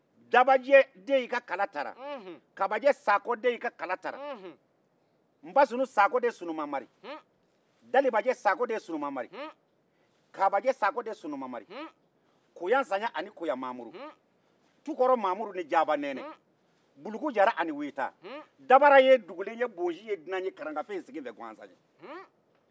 jabajɛ den i ka kala tara kabajɛ sakɔ den i ka kala tara npasunun sakɔ den sunu mamari dalibajɛ sakɔ den sunun mamari kabajɛ sakɔ den sunun mamari koyan zanya ani koyan mamuru tu kɔrɔ maamuru ni jaaba nɛɛnɛ buluku jara ani weyita dabara ye dugulen ye bonbonsi ye dunan ye karagafe ye siginfe gasan ye